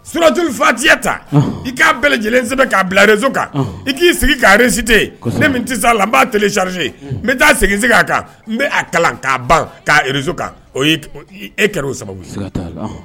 Suti fatiya ta i k'a bɛɛ lajɛlen sen k' bilarez kan i k'i sigi k'rete ne la n b'a trie n bɛ taa segin k'a kan n bɛ kalan k'a ban k'rez kan o e kɛra o sababu